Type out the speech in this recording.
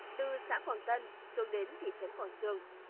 từ xã quảng tân xuống đến thị trấn quảng xương